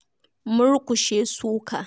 Murƙushe suka